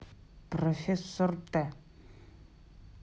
профессор т